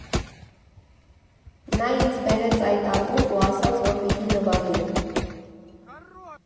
Նա ինձ բերեց այդ ակումբ ու ասաց, որ պիտի նվագեմ։